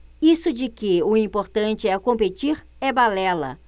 isso de que o importante é competir é balela